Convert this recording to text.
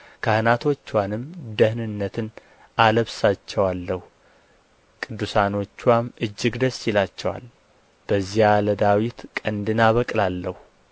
ካህናቶችዋንም ደኅንነትን አለብሳቸዋለሁ ቅዱሳኖችዋም እጅግ ደስ ይላቸዋል በዚያ ለዳዊት ቀንድን አበቅላለሁ